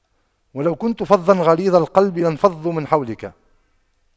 وَلَو كُنتَ فَظًّا غَلِيظَ القَلبِ لاَنفَضُّواْ مِن حَولِكَ